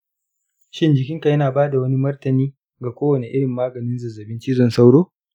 shin jikinka yana ba da wani martani ga kowane irin maganin zazzabin cizon sauro?